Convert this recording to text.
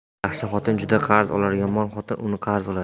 yaxshi xotin jun qarz olar yomon xotin un qarz olar